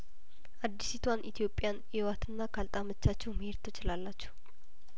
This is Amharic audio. አዲሲቷን ኢትዮጵያን እዩ አትና ካልጣመቻችሁ መሄድ ትችላላችሁ